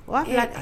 Waati